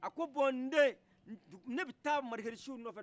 a ko bɔn nden ne bɛ taa marihirisuw nɔfɛ